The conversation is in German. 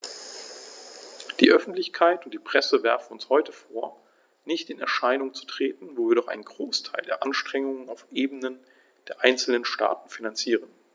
Die Öffentlichkeit und die Presse werfen uns heute vor, nicht in Erscheinung zu treten, wo wir doch einen Großteil der Anstrengungen auf Ebene der einzelnen Staaten finanzieren.